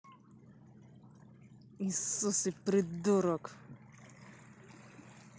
иисус и придурок